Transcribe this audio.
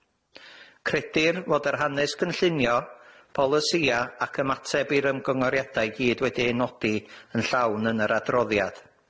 Credir fod yr hanes cynllunio, polisïa, ac ymateb i'r ymgynghoriadau i gyd wedi eu nodi yn llawn yn yr adroddiad,